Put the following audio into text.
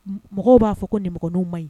Mɔgɔ b'a fɔ ko ninmɔgɔninw ma ɲi